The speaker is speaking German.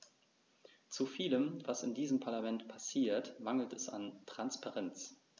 Zu vielem, was in diesem Parlament passiert, mangelt es an Transparenz.